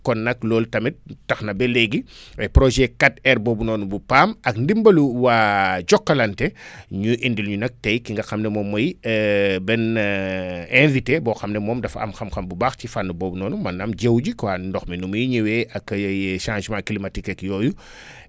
kon nag loolu tamit tax na ba léegi projet 4R boobu noonu bu PAM ak ndimbalu waa Jokalante ñu indil ñu nag tey ki nga xam ne moom mooy benn invité boo xam ne moom dafa am xam-xam bu baax ci fànn boobu noonu maanaan jaww ji quoi ndox mi nu muy ñëwee ak yooyu changement climatique ak yooyu